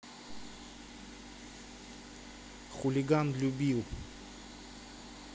хулиган любил